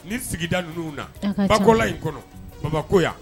Nin sigida ninnu na , bakola in kɔnɔ bamakɔko yan.